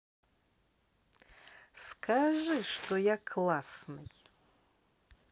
скажи что я классный